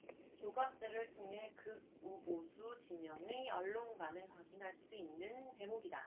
조갑제를 통해 극우보수진영의 언론관을 확인할 수 있는 대목이다